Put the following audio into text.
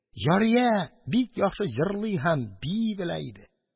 Җария бик яхшы җырлый һәм бии белә иде.